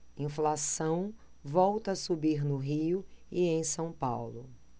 inflação volta a subir no rio e em são paulo